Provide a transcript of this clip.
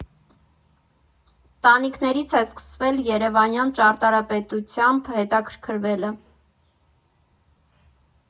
Տանիքներից է սկսվել երևանյան ճարտարապետությամբ հետաքրքրվելը։